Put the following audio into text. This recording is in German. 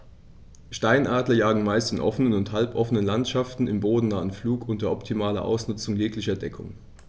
Steinadler jagen meist in offenen oder halboffenen Landschaften im bodennahen Flug unter optimaler Ausnutzung jeglicher Deckung.